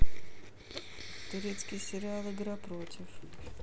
турецкий сериал игра против